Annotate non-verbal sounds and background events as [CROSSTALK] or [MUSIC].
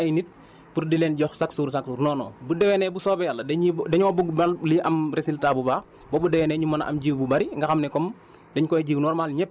ndax loolu lañ ci jublu mais ñëwuñu pour tànn ay nit [BREATH] pour di leen jox chaque jour chaque jour non non bu déwénee bu soobee yàlla dañuy dañoo bugg man lii am résultat bu baax ba bu déwénee ñu mën a am jiw bu bëri